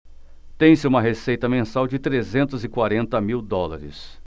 tem-se uma receita mensal de trezentos e quarenta mil dólares